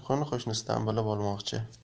qo'ni qo'shnisidan bilib olmoqchi